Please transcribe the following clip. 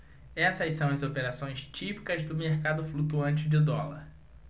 essas são as operações típicas do mercado flutuante de dólar